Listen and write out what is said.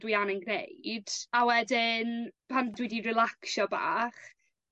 dwi angen gneud a wedyn pan dwi 'di relacsio bach